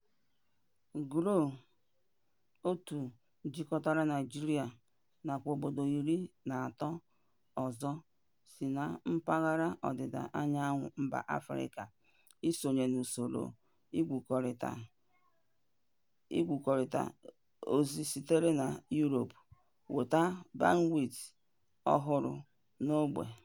GLO-1 Jikọrọ Naijịrịa nakwa obodo iri na atọ (13) ọzọ si na mpaghara Ọdịda anyanwụ mba Afrịka isonye n'usoro igwenzirikọta ozi sitere na Yuropu weta bandwit ọhụrụ n'ogbe.